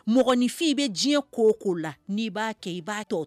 Mɔgɔninfin i bɛ diɲɛ ko o ko la n'i b'a kɛ i b'a